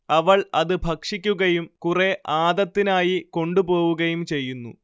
അവൾ അത് ഭക്ഷിക്കുകയും കുറേ ആദത്തിനായി കൊണ്ടുപോവുകയും ചെയ്യുന്നു